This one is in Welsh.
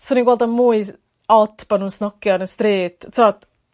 Swn i'n gweld o'n mwy ot bo' nw'n snogio ar y stryd t'wod